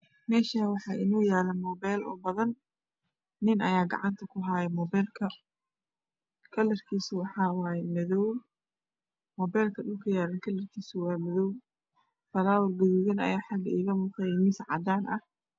Meshan waxa ino yalo mobelo badan nin aya gacat kuhayo mobelka kalarkisa waa madow mobelka dhulka yalo waa madow falawar gaduudan aya xaga iga muuqdo io mis cadan ah